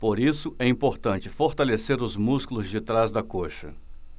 por isso é importante fortalecer os músculos de trás da coxa